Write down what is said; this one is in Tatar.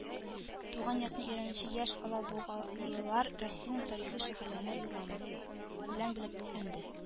Туган якны өйрәнүче яшь алабугалылар Россиянең тарихи шәһәрләренә юллама белән бүләкләнде